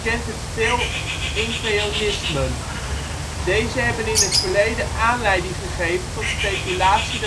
kent het veel ingveonismen. Deze hebben in het verleden aanleiding gegeven tot speculatie